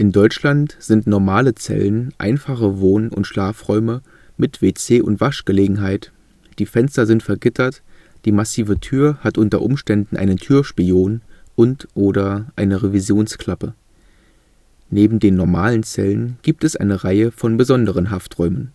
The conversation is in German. Deutschland sind normale Zellen einfache Wohn -/ Schlafräume, mit WC und Waschgelegenheit, die Fenster sind vergittert, die massive Tür hat unter Umständen einen Türspion und/oder eine Revisionsklappe. Neben den normalen Zellen gibt es eine Reihe von besonderen Hafträumen